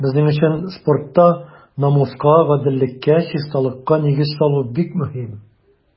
Безнең өчен спортта намуска, гаделлеккә, чисталыкка нигез салу бик мөһим.